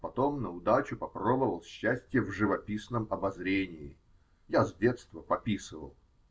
потом наудачу попробовал счастья в "Живописном обозрении" (я с детства пописывал)